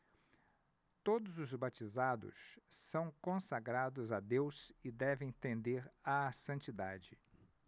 todos os batizados são consagrados a deus e devem tender à santidade